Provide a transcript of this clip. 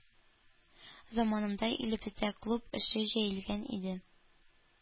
Заманында илебездә клуб эше җәелгән иде,